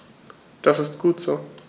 Das ist gut so.